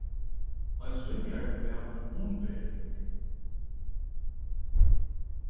ein svimjari bað um umbering